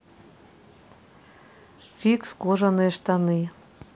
фикс кожаные штаны